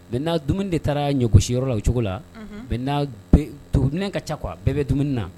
Maintenant dumuni de taara ɲɔgosiyɔrɔ la o cogo la, unhun, maintenant tominɛn ka ca quoi bɛɛ bɛ dumuni na